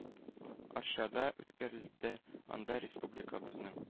Арчада үткәрелде, анда республикабызның